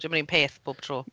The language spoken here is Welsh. Dio ddim yr un peth bob tro?